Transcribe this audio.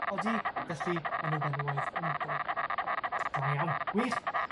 Odi, felly enw benywaidd unigol. Da iawn, gwych.